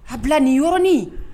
A bila nin yɔrɔnin in